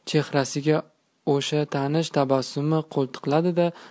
chehrasiga o'sha tanish tabassumni qalqitdi da